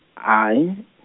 hayi.